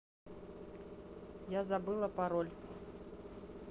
я забыла пароль